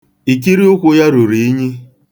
Ikiriụkwụ ya ruru unyi.